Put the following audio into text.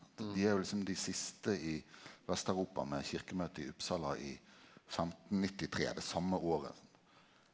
dei er jo liksom dei siste i Vest-Europa med kyrkjemøtet i Uppsala i 1593 det same året.